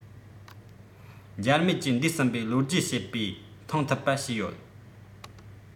འཇར མན གྱིས འདས ཟིན པའི ལོ རྒྱུས བྱེད པའི མཐོང ཐུབ པ བྱས ཡོད